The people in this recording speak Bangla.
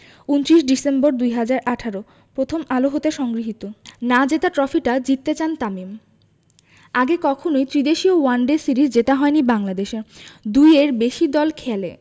২৯ ডিসেম্বর ২০১৮ প্রথম আলো হতে সংগৃহীত না জেতা ট্রফিটা জিততে চান তামিম আগে কখনোই ত্রিদেশীয় ওয়ানডে সিরিজ জেতা হয়নি বাংলাদেশের দুইয়ের বেশি দল খেলে